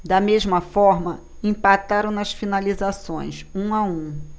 da mesma forma empataram nas finalizações um a um